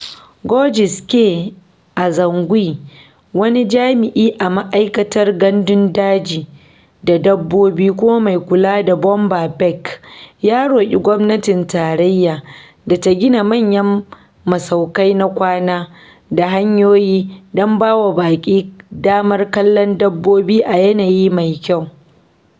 Georges K. Azangue, wani jami’i a Ma’aikatar Gandun Daji da Dabbobi kuma mai kula da Boumba Bek, ya roƙi gwamnatin tarayya da “ta gina manyan masaukai na kwana da hanyoyi don ba wa baƙi damar kallon dabbobi a yanayi mai kyau.”